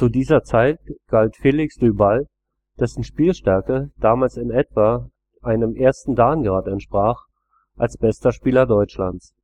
dieser Zeit galt Felix Dueball, dessen Spielstärke damals in etwa einem 1. Dan-Grad entsprach, als bester Spieler Deutschlands